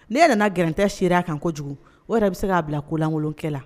Ne nana garan tɛ seereya kan kojugu o yɛrɛ bɛ se k'a bila kolankolon kɛ la